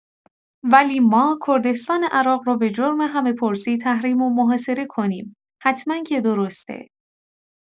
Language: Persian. ولی ما کردستان عراق رو به جرم همه‌پرسی تحریم و محاصره کنیم حتما که درسته!